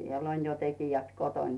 siellä on jo tekijät kotona